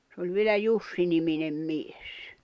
se oli vielä Jussi-niminen mies